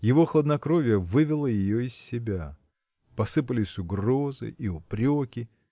Его хладнокровие вывело ее из себя. Посыпались угрозы и упреки.